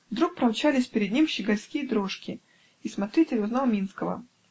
Вдруг промчались перед ним щегольские дрожки, и смотритель узнал Минского.